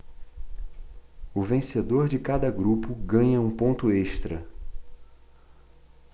o vencedor de cada grupo ganha um ponto extra